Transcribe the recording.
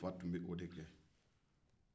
ne fa tun bɛ o de kɛ